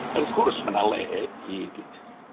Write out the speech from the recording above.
Wrth gwrs, ma' 'na le i